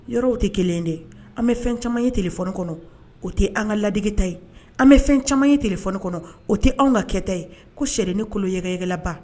Yɔrɔw tɛ kelen ye dɛ an bɛ fɛn caman ye téléphone kɔnɔ o tee an ŋa ladege ta ye an bɛɛ fɛn caman ye téléphone kɔnɔ o te anw ŋa kɛɛta ye ko siyɛdenni kuluyɛgɛyɛgɛlaba